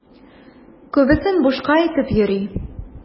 Күбесен бушка әйтеп йөри.